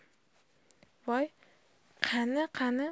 voy qani qani